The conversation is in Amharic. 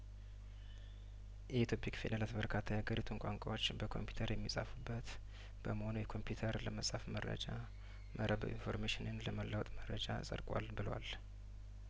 የኢትዮፒክ ፊደላት በርካታ ያገሪቱን ቋንቋዎች በኮምፒውተር የሚጻፉባት በመሆኑ የኮምፒውተር ለመጻፍ መረጃ መረብ ኢንፎርሜሽንን ለመለዋወጥ መረጃ ጸድቋል ብሏል